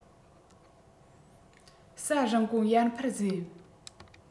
ས རིན གོང ཡར འཕར བཟོས